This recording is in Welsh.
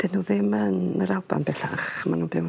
'dyn n'w ddim yn yr Alban bellach ma' 'nw'n byw yn...